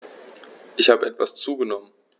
Ich habe etwas zugenommen